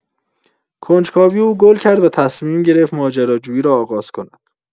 کنجکاوی او گل کرد و تصمیم گرفت ماجراجویی را آغاز کند.